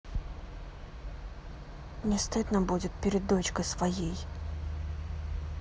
не стыдно будет перед дочкой своей